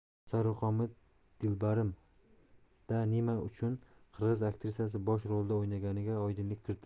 sarvqomat dilbarim da nima uchun qirg'iz aktrisasi bosh rolda o'ynaganiga oydinlik kiritildi